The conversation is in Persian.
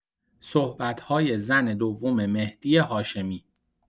صحبت‌های زن دوم مهدی هاشمی